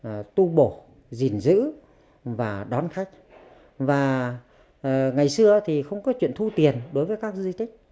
hà tu bổ gìn giữ và đón khách và ngày xưa thì không có chuyện thu tiền đối với các di tích